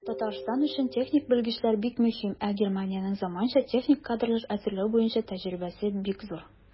Татарстан өчен техник белгечлекләр бик мөһим, ә Германиянең заманча техник кадрлар әзерләү буенча тәҗрибәсе бик зур.